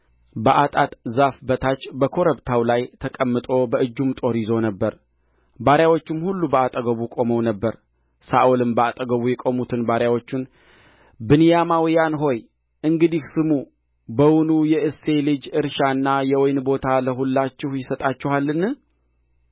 በአጣጥ ዛፍ በታች በኮረብታው ላይ ተቀምጦ በእጁም ጦር ይዞ ነበር ባሪያዎቹም ሁሉ በአጠገቡ ቆመው ነበር ሳኦልም በአጠገቡ የቆሙትን ባሪያዎቹን ብንያማውያን ሆይ እንግዲህ ስሙ በውኑ የእሴይ ልጅ እርሻና የወይን ቦታ ለሁላችሁ ይሰጣችኋልን